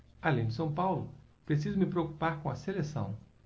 além do são paulo preciso me preocupar com a seleção